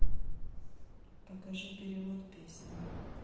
покажи перевод песни